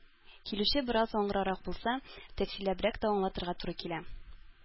Килүче бераз аңгырарак булса, тәфсилләбрәк тә аңлатырга туры килә.